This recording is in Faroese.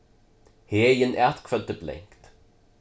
heðin atkvøddi blankt